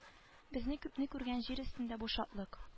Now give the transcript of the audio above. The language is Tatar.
Безнең күпне күргән җир өстендә бу шатлык